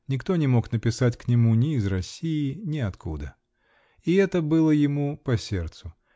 Никто не мог написать к нему ни из России, ни откуда и это было ему по сердцу